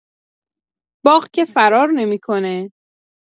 باغ که فرار نمی‌کنه.